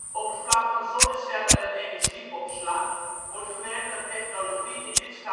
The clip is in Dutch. Op het vlak van zonnecellen en energieopslag wordt gewerkt aan technologie in dit